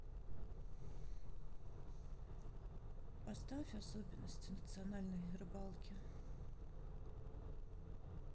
поставь особенности национальной рыбалки